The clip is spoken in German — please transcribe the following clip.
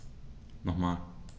Nochmal.